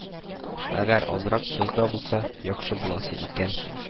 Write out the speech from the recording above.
Әгәр азрак тоз да булса, яхшы буласы икән